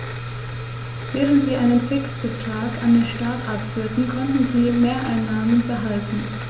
Während sie einen Fixbetrag an den Staat abführten, konnten sie Mehreinnahmen behalten.